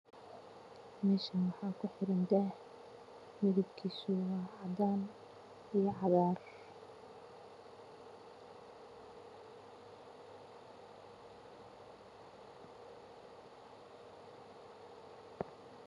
Meeshaan waxaa kuxiran daah midabkiisu waa cadaan iyo cagaar.